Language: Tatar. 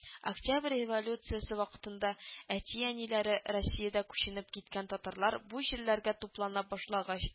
Октябрь революциясе вакытында, әти-әниләре Россиядән күченеп киткән татарлар бу җирләргә туплана башлагач